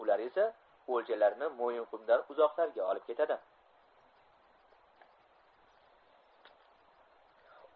ular esa o'ljalarni mo'yinqumdan uzoqlarga olib ketadi